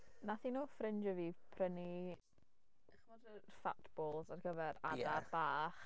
Wnaeth un o fy ffrindiau fi prynu, chimod, yr fat balls ar gyfer adar... ie... bach?